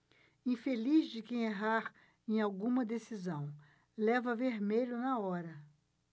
infeliz de quem errar em alguma decisão leva vermelho na hora